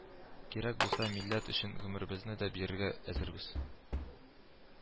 Кирәк булса милләт өчен гөмеребезне дә бирергә әзербез